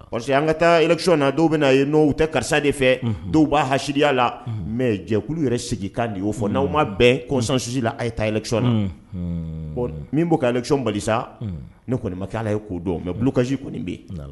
Parce que an ka taakicɔn na dɔw bɛna na a yen n'o tɛ karisa de fɛ dɔw b' haya la mɛ jɛkulu yɛrɛ sigi ka di oo fɔ n' u ma bɛɛ kɔsansusi la a ye taaɛlɛnlicon na min'kiconoli ne kɔnimakɛ ala ye ko dɔn mɛkasi kɔni bɛ